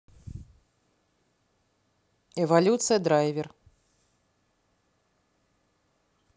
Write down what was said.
эволюция драйвер